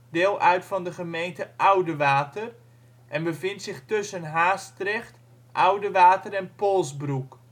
deel uit van de gemeente Oudewater en bevindt zich tussen Haastrecht, Oudewater en Polsbroek